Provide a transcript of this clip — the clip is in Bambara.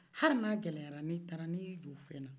hali n'a gɛlɛyara n'i taara n'i y'i jɔ o fɛn na